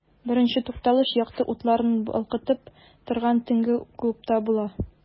Беренче тукталыш якты утларын балкытып торган төнге клубта була.